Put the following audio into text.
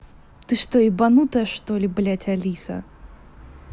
ты что ебанутая что ли блядь алиса